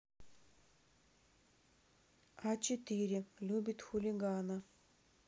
а четыре любит хулигана